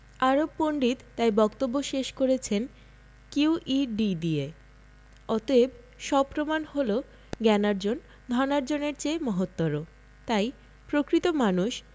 আরব পণ্ডিত তাই বক্তব্য শেষ করেছেন কিউ ই ডি দিয়ে অতএব সপ্রমাণ হল জ্ঞানার্জন ধনার্জনের চেয়ে মহত্তর তাই প্রকৃত মানুষ